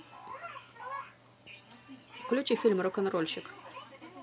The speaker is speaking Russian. включи фильм рок н рокнрольщик